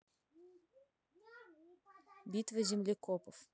битва землекопов